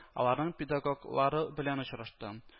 Аларның педагог лары белән очрашты